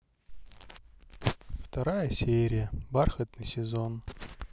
вторая серия бархатный сезон